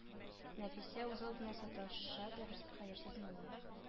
Нәфисә үзалдына саташадыр хәерсез малай